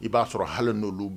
I b'a sɔrɔ hali don don